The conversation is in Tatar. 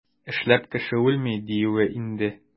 Эшләп кеше үлми, диюе инде.